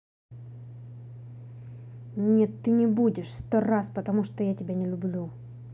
нет ты не будешь сто раз потому что я тебя не люблю